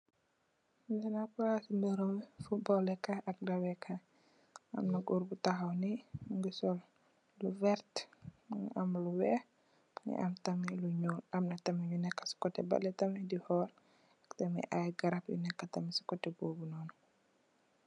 Li nak bagass berem dawex kai ak footbaal li kay amna goor mu taxaw nee mu sol lu wertax mogi am lu weex mogi am tamit lu nuul amna tam nyu neke si kote belex tamit di xool tamit ay garab yu neka si kete bobu tamit.